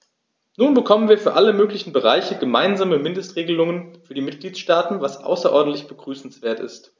Nun bekommen wir für alle möglichen Bereiche gemeinsame Mindestregelungen für die Mitgliedstaaten, was außerordentlich begrüßenswert ist.